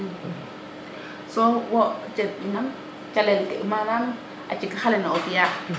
so wo nam calel ke manaam a cikaxa lene o fiya